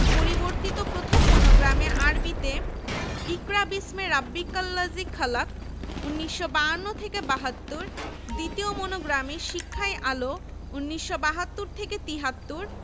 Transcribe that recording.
পরিবর্তিত প্রথম মনোগ্রামে আরবিতে ইকরা বিস্মে রাবিবকাল লাজি খালাক্ক ১৯৫২ ৭২ দ্বিতীয় মনোগ্রামে শিক্ষাই আলো ১৯৭২ ৭৩